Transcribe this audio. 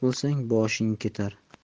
bo'lsang boshing ketar